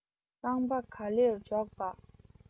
རྐང པ ག ལེར འཇོག པ